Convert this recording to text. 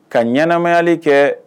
Ka ɲɛnɛmayali kɛ